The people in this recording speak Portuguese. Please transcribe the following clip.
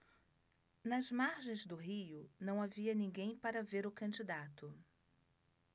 nas margens do rio não havia ninguém para ver o candidato